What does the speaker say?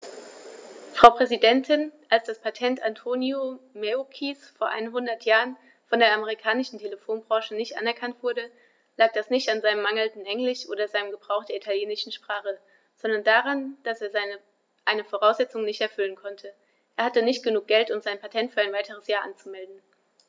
Frau Präsidentin, als das Patent Antonio Meuccis vor einhundert Jahren von der amerikanischen Telefonbranche nicht anerkannt wurde, lag das nicht an seinem mangelnden Englisch oder seinem Gebrauch der italienischen Sprache, sondern daran, dass er eine Voraussetzung nicht erfüllen konnte: Er hatte nicht genug Geld, um sein Patent für ein weiteres Jahr anzumelden.